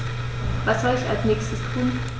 Was soll ich als Nächstes tun?